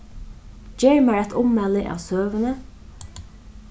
ger eitt ummæli av søguni